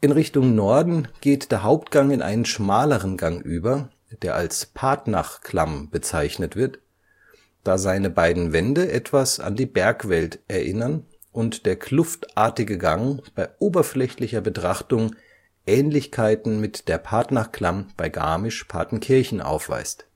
Richtung Norden geht der Hauptgang in einen schmaleren Gang über, der als Partnachklamm bezeichnet wird, da seine beiden Wände etwas an die Bergwelt erinnern und der kluftartige Gang bei oberflächlicher Betrachtung Ähnlichkeiten mit der Partnachklamm bei Garmisch-Partenkirchen aufweist